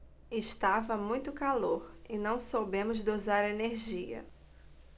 estava muito calor e não soubemos dosar a energia